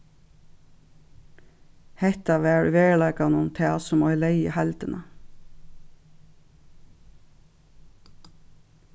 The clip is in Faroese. hetta var í veruleikanum tað sum oyðilegði heildina